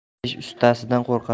ish ustasidan qo'rqar